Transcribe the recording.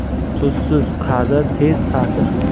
tuzsiz qazi tez sasir